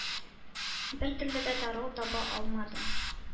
Бертөрле дә дару таба алмады.